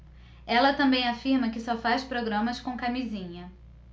ela também afirma que só faz programas com camisinha